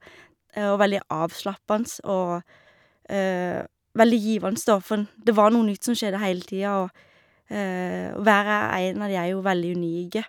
Og veldig avslappende, og veldig givende, da, for en det var noe nytt som skjedde heile tida, og og hver og en av de er jo veldig unike.